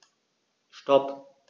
Stop.